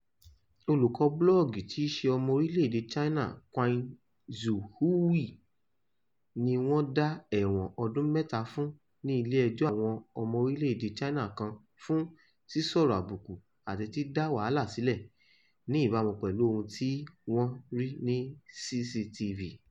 Olùkọ búlọ́ọ́gì tí í ṣe ọmọ Orílẹ̀-èdè China Qin Zhihui ni wọ́n dá ẹ̀wọ̀n ọdún mẹ́ta fún ní ilé ẹjọ́ àwọn ọmọ Orílẹ̀-èdè China kan fún "sísọ̀rọ̀ àbùkù" àti "dídá wàhálà sílẹ̀," ní ìbámu pẹ̀lú ohun tí wọ́n rí ní CCTV.